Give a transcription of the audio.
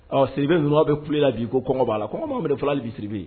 Ɔ siribe numu bɛ ku la bi'i ko kɔn'a la ko kɔnma bɛ deli fila b' sirisiribi